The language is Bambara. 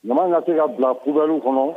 Na ka se ka bila kubaliw kɔnɔ